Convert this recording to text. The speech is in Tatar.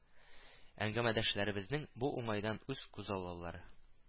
Әңгәмәдәшләребезнең бу уңайдан үз күзаллаулары